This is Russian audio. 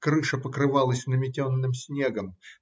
Крыша покрывалась наметенным снегом.